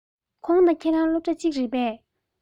ཁོང དང ཁྱོད རང སློབ གྲྭ གཅིག རེད པས